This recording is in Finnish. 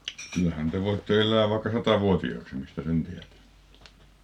kyllähän te voitte elää vaikka satavuotiaaksi mistä sen tietää